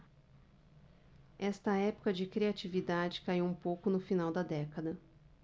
esta época de criatividade caiu um pouco no final da década